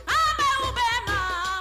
An bɛ mɔ bɛ ma